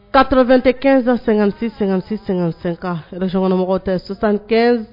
Kato2teɛn-san sɛgɛn-sɛ- sɛgɛn sankan cgkɔnɔmɔgɔw tɛ sisansan